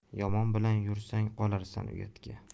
yomon bilan yursang qolarsan uyatga